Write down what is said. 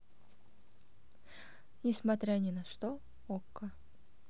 несмотря ни на что okko